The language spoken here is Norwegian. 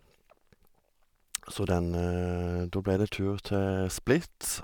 Så den da ble det tur til Split.